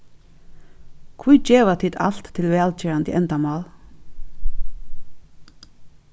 hví geva tit alt til vælgerandi endamál